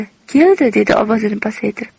keldi dedi ovozini pasaytirib